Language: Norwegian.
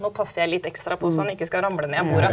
nå passer jeg litt ekstra på så han ikke skal ramle ned av bordet.